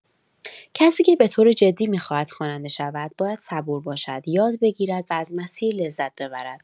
کسی که به‌طور جدی می‌خواهد خواننده شود، باید صبور باشد، یاد بگیرد و از مسیر لذت ببرد.